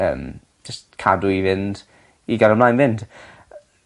yym jyst cadw i fynd i gadw mlaen mynd.